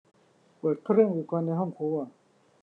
เปิดเครื่องดูดควันในห้องครัว